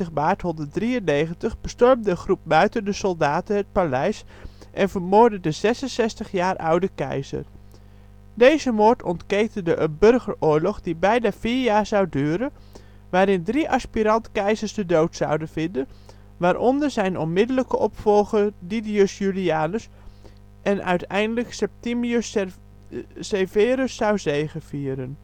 maart 193 bestormde een groep muitende soldaten het paleis en vermoordde de 66 jaar oude keizer. Deze moord ontketende een burgeroorlog die bijna vier jaar zou duren, waarin drie aspirant-keizers de dood zouden vinden (waaronder zijn onmiddellijke opvolger Didius Julianus), en uiteindelijk Septimius Severus zou zegevieren